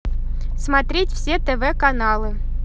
смотреть все тв каналы